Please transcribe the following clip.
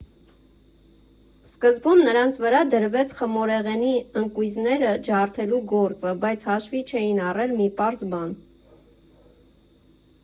Սկզբում նրանց վրա դրվեց խմորեղենի ընկույզները ջարդելու գործը, բայց հաշվի չէին առել մի պարզ բան.